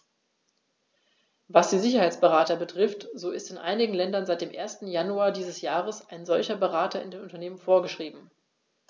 Was die Sicherheitsberater betrifft, so ist in einigen Ländern seit dem 1. Januar dieses Jahres ein solcher Berater in den Unternehmen vorgeschrieben.